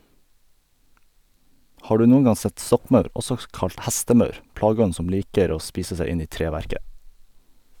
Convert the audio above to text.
Har du noen gang sett stokkmaur, også kalt hestemaur, plageånden som liker å spise seg inn i treverket?